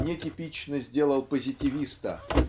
нетипично сделал позитивиста